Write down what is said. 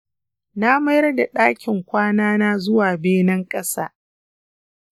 na mayar da ɗakin kwanana zuwa benen ƙasa.